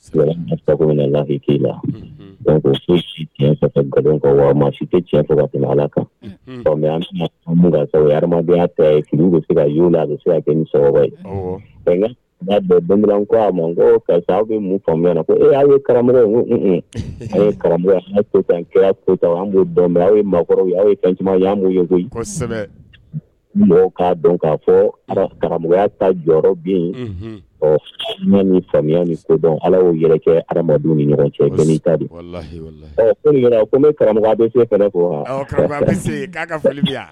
Si kan bɛ ko a aw bɛ faamuya aw ye karamɔgɔ aw ye mɔgɔkɔrɔ aw ye fɛn sɛ mɔgɔ k'a dɔn k'a fɔ karamɔgɔya ta jɔyɔrɔ bin ɔ ni faya ni ala' yɛrɛ kɛ adama ni ɲɔgɔn cɛ ko ne karamɔgɔ bɛ se fana ko